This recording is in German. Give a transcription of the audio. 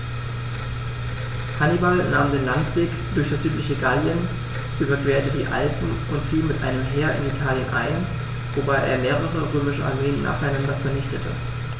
Hannibal nahm den Landweg durch das südliche Gallien, überquerte die Alpen und fiel mit einem Heer in Italien ein, wobei er mehrere römische Armeen nacheinander vernichtete.